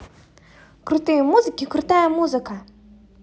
крутые музыки крутая музыка